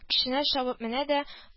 Көченә чабып менә дә